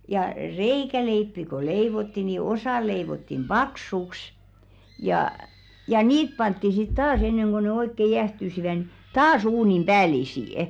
ja reikäleipiä kun leivottiin niin osa leivottiin paksuksi ja ja niitä pantiin sitten taas ennen kuin ne oikein jäähtyivät niin taas uunin päällisin